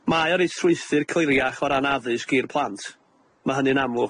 Mae o'n r'ei strwythur cliriach o ran addysg i'r plant. Ma' hynny'n amlwg.